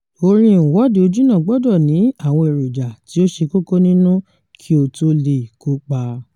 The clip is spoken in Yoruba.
Orin Ìwọ́de Ojúnà gbọdọ̀ ní àwọn èròjà tí ó ṣe kókó nínú kí ó tó lè kópa: